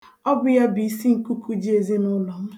Ọ bụ ya bụ isi nkuku ji ezinụlọ m.